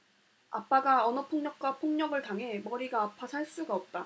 아빠가 언어폭력과 폭력을 당해 머리가 아파 살 수가 없다